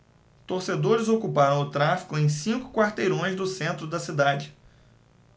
torcedores ocuparam o tráfego em cinco quarteirões do centro da cidade